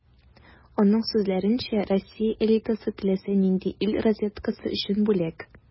Аның сүзләренчә, Россия элитасы - теләсә нинди ил разведкасы өчен бүләк.